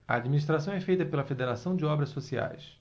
a administração é feita pela fos federação de obras sociais